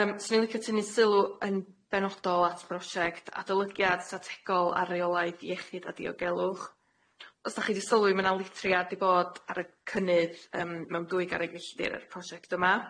Yym swn i'n licio tynnu sylw yn benodol at brosiect adolygiad strategol ar reolaidd iechyd a diogelwch. Os dach chi di sylwi ma' na litriad i bod ar y cynnydd yym mewn dwy garreg filltir ar y prosiect yma.